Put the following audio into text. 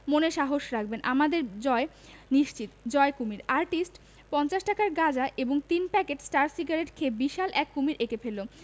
মনে সাহস রাখবেন আমাদের বিজয় নিশ্চিত জয় কুমীর আর্টিস্ট পঞ্চাশ টাকার গাঁজা এবং তিন প্যাকেট স্টার সিগারেট খেয়ে বিশাল এক কুমীর এঁকে ফেলল